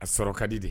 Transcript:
A sɔrɔ ka di de